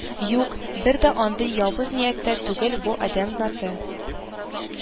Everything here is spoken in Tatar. Юк, бер дә андый явыз нияттә түгел бу адәм заты